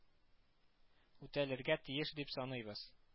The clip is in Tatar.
Үтәлергә тиеш дип саныйбыз